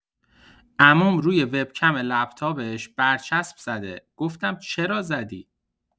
عموم روی وب‌کم لپ‌تاپش برچسب زده گفتم چرا زدی؟